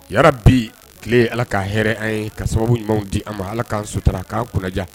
Ya bi tile ala ka hɛrɛ an ye ka sababu ɲumanw di a ma ala k'an sota k'a kunnajan